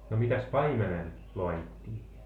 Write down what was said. no mitäs paimenelle laadittiin